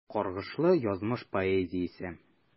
Каргышлы язмыш поэзиясе.